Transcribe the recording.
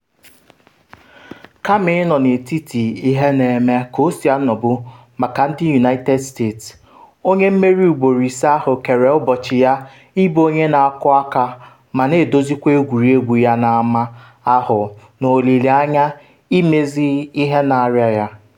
Kama ịnọ n’etiti ihe na-eme, ka o si anọbu maka ndị United States, onye mmeri ugboro ise ahụ kere ụbọchị ya ịbụ onye na-akụ aka ma na-edozikwa egwuregwu ya n’ama ahụ n’olile anya imezi ihe na-arịa ya.